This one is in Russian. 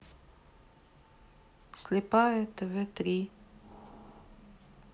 слепая тв три